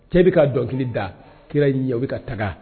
Cɛ bɛ ka dɔnkili da kira ɲɛ u bɛ ka taga